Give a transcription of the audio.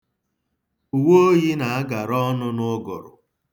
Uwe oyi na-agara ọnụ n'ụgụrụ.